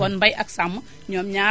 kon mbay ak sàmm noom ñaar